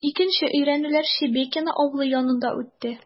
Икенче өйрәнүләр Шебекиио авылы янында үтте.